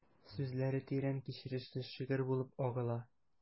Сүзләре тирән кичерешле шигырь булып агыла...